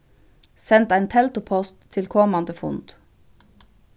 send ein teldupost til komandi fund